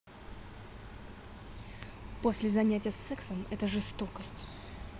после занятия сексом это жестокость